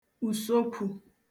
ùsokwū